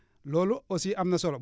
loolu aussi am na solo